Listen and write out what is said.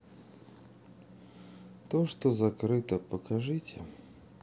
то что закрыто покажите